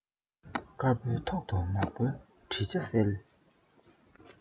དཀར པོའི ཐོག ཏུ ནག པོའི བྲིས ཆ གསལ